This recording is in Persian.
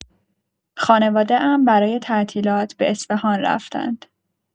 خانواده‌ام برای تعطیلات به اصفهان رفتند.